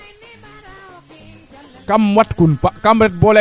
mais est ce que refee ye manaam neete jafeñna ten taxu te serrit neene aussi :far